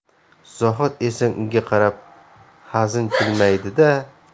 zohid esa unga qarab hazin jilmaydi da